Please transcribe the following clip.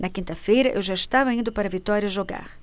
na quinta-feira eu já estava indo para vitória jogar